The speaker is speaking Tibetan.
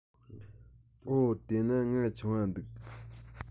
འོ དེས ན ང ཆུང བ འདུག